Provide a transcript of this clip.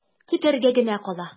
Көтәргә генә кала.